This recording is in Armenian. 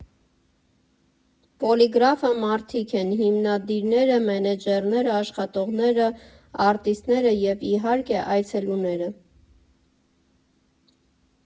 Պոլիգրաֆը մարդիկ են՝ հիմնադիրները, մենեջերները, աշխատողները, արտիստները և, իհարկե, այցելուները։